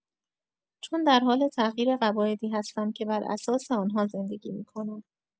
چون درحال تغییر قواعدی هستم که بر اساس آن‌ها زندگی می‌کنم